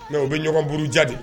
Mɛ u bɛ ɲɔgɔn buru jate